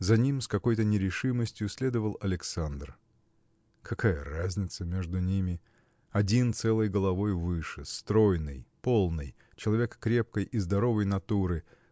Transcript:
За ним с какой-то нерешимостью следовал Александр. Какая разница между ними один целой головой выше стройный полный человек крепкой и здоровой натуры